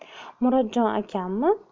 murodjon akammi